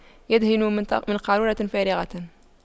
يدهن من قارورة فارغة